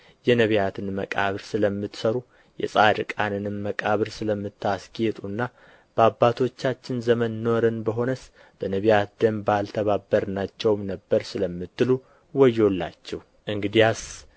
የነቢያትን መቃብር ስለምትሠሩ የጻድቃንንም መቃብር ስለምታስጌጡና በአባቶቻችን ዘመን ኖረን በሆነስ በነቢያት ደም ባልተባበርናቸውም ነበር ስለምትሉ ወዮላችሁ እንግዲያስ